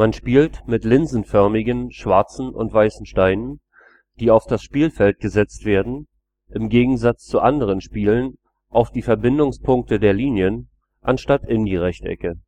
spielt mit linsenförmigen schwarzen und weißen Steinen, die auf das Spielfeld gesetzt werden – im Gegensatz zu anderen Spielen auf die Verbindungspunkte der Linien, anstatt in die Rechtecke